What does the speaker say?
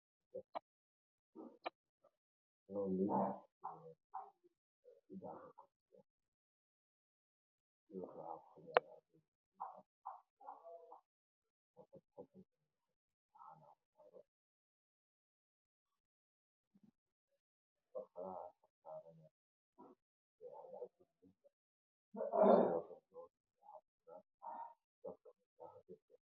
Meeshaan waxaa iga muuqda qol waxaa fadhiya gabdho qabo xijaabo waxa ay qorayaan waxaa horyaalo miisaas waxa ay qorayaan waana ardayda gabdha